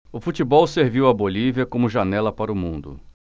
o futebol serviu à bolívia como janela para o mundo